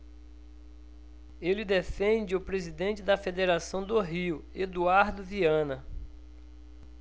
ele defende o presidente da federação do rio eduardo viana